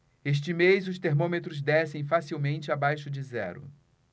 este mês os termômetros descem facilmente abaixo de zero